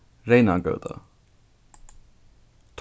reynagøta